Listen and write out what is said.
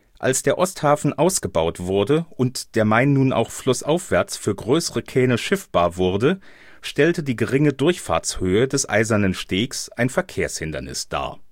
Als der Osthafen ausgebaut wurde und der Main nun auch flussaufwärts für größere Kähne schiffbar wurde, stellte die geringe Durchfahrtshöhe des Eisernen Stegs ein Verkehrshindernis dar